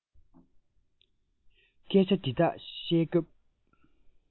སྐད ཆ འདི དག བཤད སྐབས